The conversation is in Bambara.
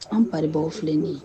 An paribaw filɛ nin ye